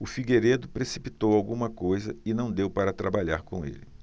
o figueiredo precipitou alguma coisa e não deu para trabalhar com ele